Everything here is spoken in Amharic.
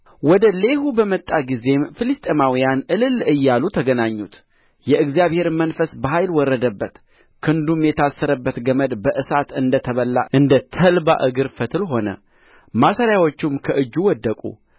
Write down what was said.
ወደ ሌሒ በመጣ ጊዜም ፍልስጥኤማውያን እልል እያሉ ተገናኙት የእግዚአብሔርም መንፈስ በኃይል ወረደበት ክንዱም የታሰረበት ገመድ በእሳት እንደ ተበላ እንደ ተልባ እግር ፈትል ሆነ ማሰሪያዎቹም ከእጁ ወደቁ